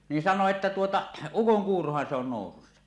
niin sanoi että tuota ukonkuurohan se on nousussa